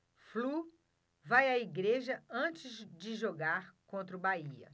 flu vai à igreja antes de jogar contra o bahia